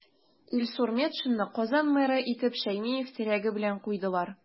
Илсур Метшинны Казан мэры итеп Шәймиев теләге белән куйдылар.